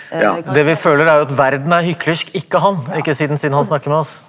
ja det vi føler er jo at verden er hyklersk, ikke han, ikke siden siden han snakker med oss.